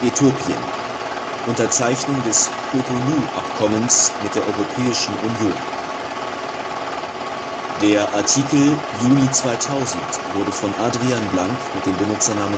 Äthiopien: Unterzeichnung des Cotonou-Abkommens mit der EU